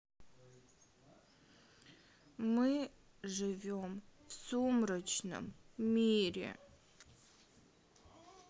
мы живем в сумрачном мире